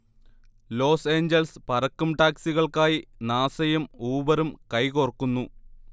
loss Angeles പറക്കും ടാക്സികൾക്കായി നാസയും ഊബറും കൈകോർക്കുന്നു